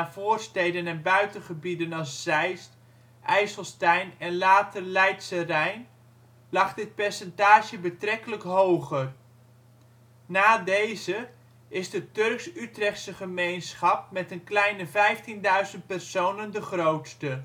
voorsteden en buitengebieden als Zeist, IJsselstein en later Leidsche Rijn, lag dit percentage betrekkelijk hoger). Na deze, is de Turks-Utrechtse gemeenschap met een kleine 15.000 personen de grootste. N.B.